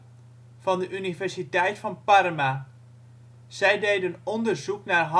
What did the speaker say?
van de universiteit van Parma. Zij deden onderzoek naar